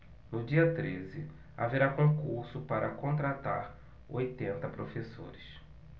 no dia treze haverá concurso para contratar oitenta professores